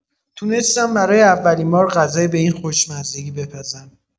تونستم برای اولین بار غذای به این خوشمزگی بپزم.